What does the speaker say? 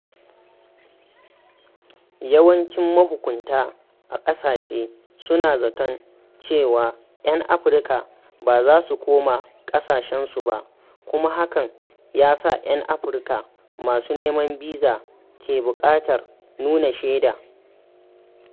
Yawancin mahukunta a ƙasashe su na zaton cewa duk 'yan afirka ba za su koma ƙasashensu ba, kuma hakan ya sa 'yan Afirka masu neman biza ke buƙatar nuna shaida.